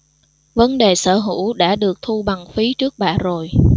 vấn đề sở hữu đã được thu bằng phí trước bạ rồi